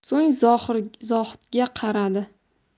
so'ng zohidga qaradi